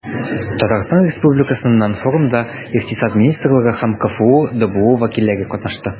Татарстан Республикасыннан форумда Икътисад министрлыгы һәм КФҮ ДБУ вәкилләре катнашты.